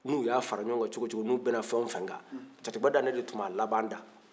n'u y'a fara ɲwan kan cogo wo cogo n'u bɛnna fɛn wo fɛn kan cɛtigiba dantɛ de tu b'a laban da